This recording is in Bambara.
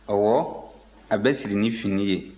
ɔwɔ a bɛ siri ni fini ye